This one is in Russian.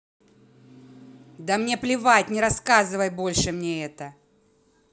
да мне плевать не рассказывай больше мне это